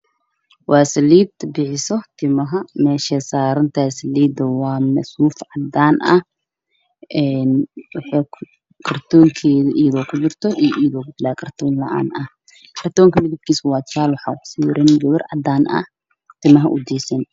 Waa saliid-bixisatimaha waxaa ag yaalla kartoon waxaa ku soo yarannaag tima dhaadheer